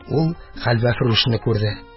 Ул хәлвәфрүшне күрде.